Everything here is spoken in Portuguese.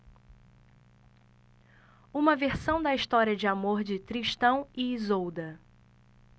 uma versão da história de amor de tristão e isolda